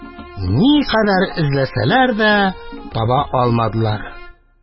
Никадәр эзләсәләр дә таба алмадылар.